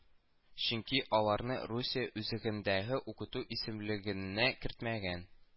Чөнки, аларны Русия үзегендәге укыту исемлегененә кертмәгән